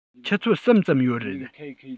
ཆུ ཚོད གསུམ ཙམ ཡོད རེད